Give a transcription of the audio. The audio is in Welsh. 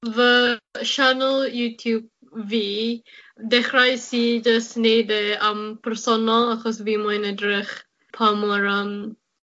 Fy sianel YouTube fi, dechreuais i jys neud e am personol, achos fi moyn edrych pa mor yym